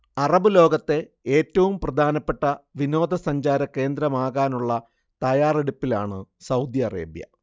Arab ലോകത്തെ ഏറ്റവും പ്രധാനപ്പെട്ട വിനോദ സഞ്ചാര കേന്ദ്രമാകാനുള്ള തയാറെടുപ്പിലാണ് സൗദി അറേബ്യ